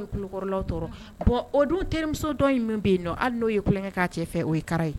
Bɔn o don terimuso dɔ in min bɛ yen nɔ hali n'o yekɛkan fɛ o ye ye